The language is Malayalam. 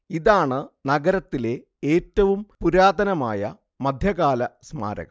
ഇതാണ് നഗരത്തിലെ ഏറ്റവും പുരാതനമായ മധ്യകാല സ്മാരകം